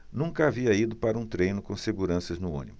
nunca havia ido para um treino com seguranças no ônibus